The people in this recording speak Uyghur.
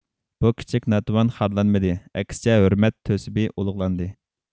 بۇ كىچىك ناتىۋان خارلانمىدى ئەكسىچە ھۆرمەت تۆسبى ئۇلۇغلاندى